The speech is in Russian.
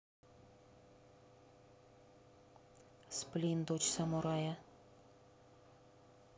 сплин дочь самурая